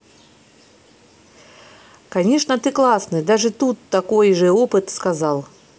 конечно ты классный даже тут такой же опыт сказал